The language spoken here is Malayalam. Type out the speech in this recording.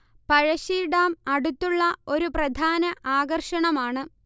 പഴശ്ശി ഡാം അടുത്തുള്ള ഒരു പ്രധാന ആകർഷണമാണ്